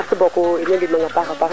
iyo in way njaɓang